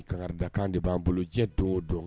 Kankarida kan de ba bolo jiɲɛ don o don.